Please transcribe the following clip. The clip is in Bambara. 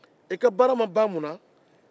i ka baara ma ban munna